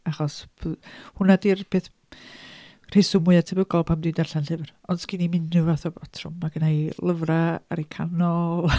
Achos b- hwnna 'di'r peth rheswm mwyaf tebygol pam dwi'n darllen llyfr. Ond sgen i'm unrhyw fath o batrwm. Ma' gen a i lyfrau ar eu canol.